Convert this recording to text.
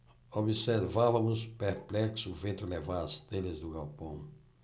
observávamos perplexos o vento levar as telhas do galpão